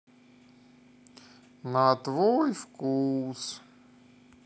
на твой вкус